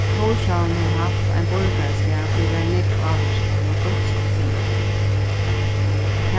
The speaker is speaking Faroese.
tórshavn hevur havt ein borgaraskap ið var nógv ávirkaður av donskum siðum